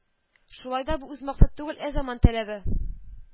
Шулай да бу үзмаксат түгел, ә заман таләбе